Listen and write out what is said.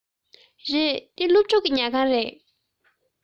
རེད འདི སློབ ཕྲུག གི ཉལ ཁང རེད